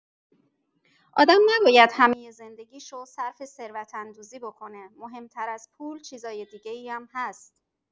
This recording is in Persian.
آدم نباید همه زندگی‌شو صرف ثروت‌اندوزی بکنه، مهم‌تر از پول چیزای دیگه‌ای هم هست.